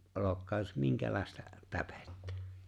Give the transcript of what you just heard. olokoon jos minkälaista täpettä